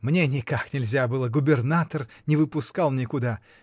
— Мне никак нельзя было, губернатор не пускал никуда